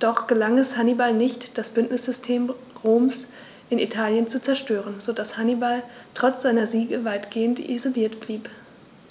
doch gelang es Hannibal nicht, das Bündnissystem Roms in Italien zu zerstören, sodass Hannibal trotz seiner Siege weitgehend isoliert blieb.